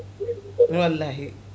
wallahi